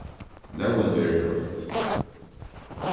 lógin verður broytt